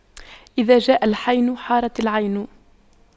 إذا جاء الحين حارت العين